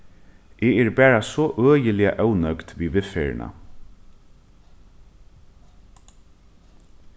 eg eri bara so øgiliga ónøgd við viðferðina